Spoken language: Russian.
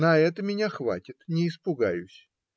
На это меня хватит, не испугаюсь.